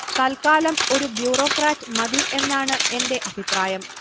തൽക്കാലം ഒരു ബ്യൂറോക്രാറ്റ് മതി എന്നാണ് എന്റെ അഭിപ്രായം